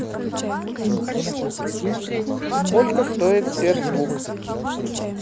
сколько стоит сбер звук